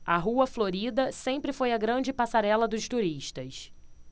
a rua florida sempre foi a grande passarela dos turistas